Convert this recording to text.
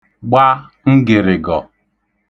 gba ngị̀rị̀g̣ọ̀